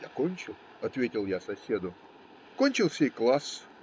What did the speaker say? - Я кончил, - ответил я соседу. Кончился и класс.